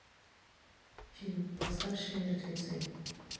фильм восставшие мертвецы